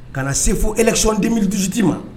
Ka na se fo élection 2018 ma.